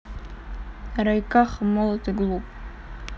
raikaho молод и глуп